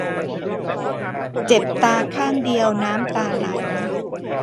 เจ็บตาข้างเดียวน้ำตาไหล